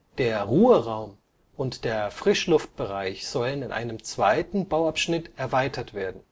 Der Ruheraum und der Frischluftbereich sollen in einem zweiten Bauabschnitt erweitert werden